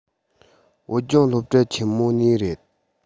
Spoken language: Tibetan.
བོད ལྗོངས སློབ གྲྭ ཆེན མོ ནས རེད